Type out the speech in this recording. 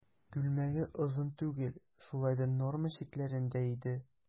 Күлмәге озын түгел, шулай да норма чикләрендә иде.